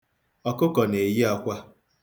Ọkụkọ na-eyi akwa.